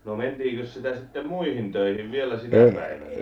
no mentiinkös sitä sitten muihin töihin vielä sinä päivänä